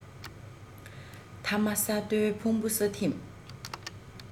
ཐ མ ས རྡོའི ཕུང པོ ས ཐིམ